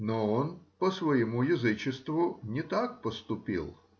но он, по своему язычеству, не так поступил.